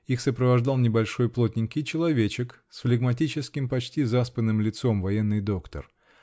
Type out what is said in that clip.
их сопровождал небольшой плотненький человечек с флегматическим, почти заспанным лицом -- военный доктор.